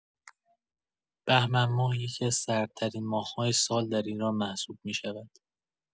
بهمن‌ماه یکی‌از سردترین ماه‌های سال در ایران محسوب می‌شود.